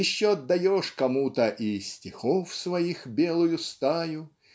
еще отдаешь кому-то и "стихов своих белую стаю